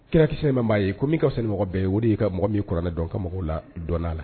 Kira kisi in nɛmɛ b'a ye ko min ka fisa ni mɔgɔ bɛɛ ye , o ye ka mɔgɔ min kuranɛ dɔn ka mɔgɔw la dɔnniya a la.